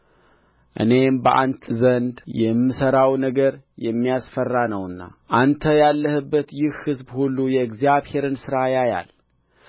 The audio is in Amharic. እኔም በአንተ ዘንድ የምሠራው ነገር የሚያስፈራ ነውና አንተ ያለህበት ይህ ሕዝብ ሁሉ የእግዚአብሔርን ሥራ ያያል